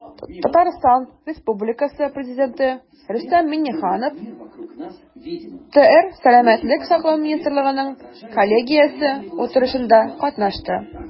Татарстан Республикасы Президенты Рөстәм Миңнеханов ТР Сәламәтлек саклау министрлыгының коллегиясе утырышында катнашты.